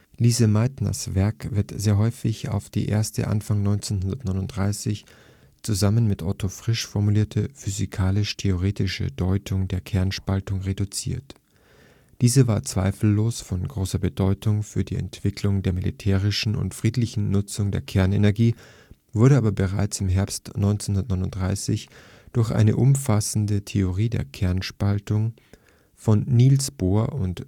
Lise Meitners Werk wird sehr häufig auf die erste, Anfang 1939 zusammen mit Otto Frisch formulierte, physikalisch-theoretische Deutung der Kernspaltung reduziert. Diese war zweifellos von großer Bedeutung für die Entwicklung der militärischen und friedlichen Nutzung der Kernenergie, wurde aber bereits im Herbst 1939 durch eine umfassende Theorie der Kernspaltung (" The mechanism of nuclear fission ") von Niels Bohr und John